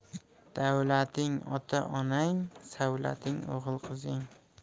davlating ota onang savlating o'g'il qizing